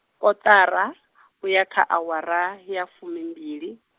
kotara, uya kha awara, ya fumimbili.